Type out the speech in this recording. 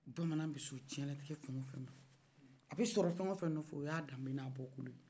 bamanan bɛ sɔn diɲɛlatigɛ fɛ wo fɛn ma a bɛ sɔrɔ fɛn wo fɛn nɔfɛ o y'a danbe n'a bɔkolo ye